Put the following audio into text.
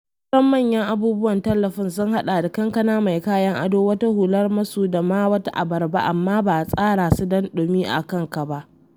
Sauran manyan abubuwan tallafin sun haɗa da kankana mai kayan ado, wata hular masu da ma wata abarba - amma ba a tsara su don sa dumi a kanka ba.